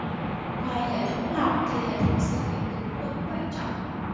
ngoài hệ thống lọc thì hệ thống sưởi cũng tối quan trọng